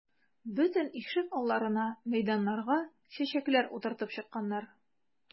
Бөтен ишек алларына, мәйданнарга чәчәкләр утыртып чыкканнар.